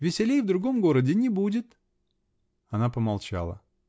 Веселей в другом городе не будет. -- Она помолчала.